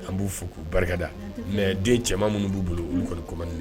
An b'u fo k'u barikada mais den cɛman minnu b'u bolo olu kɔni ko mandi